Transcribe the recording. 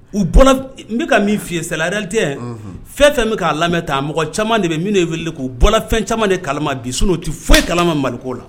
U n bɛka ka min fii sala yɛrɛre fɛn fɛn bɛ k'a lamɛn ta mɔgɔ caman de bɛ min wele k'u bɔra fɛn caman de kalama bi sun n'o tɛ foyi kalama maliko la